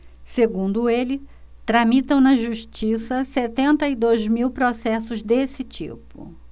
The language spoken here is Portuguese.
segundo ele tramitam na justiça setenta e dois mil processos desse tipo